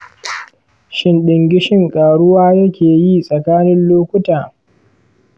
shin ɗingishin ƙaruwa yake yi tsakanin lokuta?